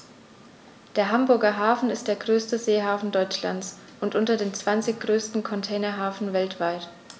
Der Hamburger Hafen ist der größte Seehafen Deutschlands und unter den zwanzig größten Containerhäfen weltweit.